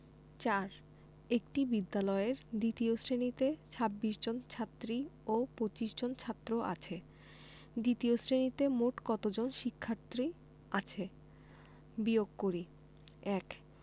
৪ একটি বিদ্যালয়ের দ্বিতীয় শ্রেণিতে ২৬ জন ছাত্রী ও ২৫ জন ছাত্র আছে দ্বিতীয় শ্রেণিতে মোট কত জন শিক্ষার্থী আছে বিয়োগ করিঃ ১